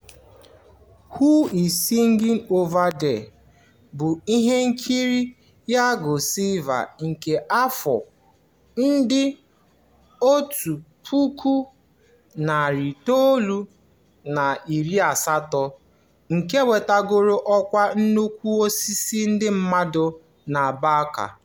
Who's Singin' Over There? bụ ihe nkiri Yugoslavia nke afọ ndị 1980 nke nwetagoro ọkwa nnukwu osiso ndị mmadụ na Balkan.